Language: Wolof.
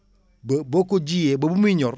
ba boo ko jiyee ba bu muy ñor